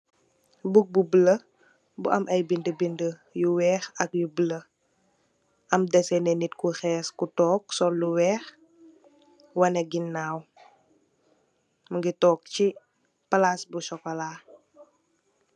Book bu bulo, bu am ay bindu-bindu yu weeh ak yu bulo. Am dèsènè nit Ku hees ju toog sol lu weeh. Wanè gënnaw mungi toog chi palaas bu sokola.